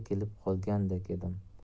kelib qoldek edim